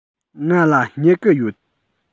ང ལ སྨྱུ གུ ཡོད